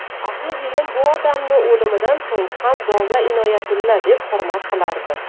ahli ilm bu odamni o'limidan so'ng ham domla inoyatullo deb hurmat qilardi